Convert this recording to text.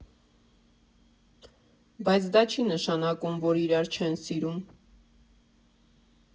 Բայց դա չի նշանակում, որ իրար չեն սիրում։